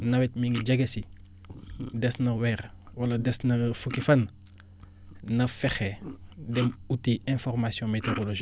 nawet mi ngi jege si des na weer wala des na la fukki fan na fexe dem uti information météorologique